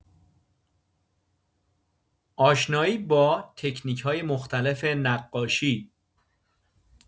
آشنایی با تکنیک‌های مختلف نقاشی